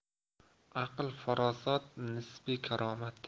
aql farosat nisbi karomat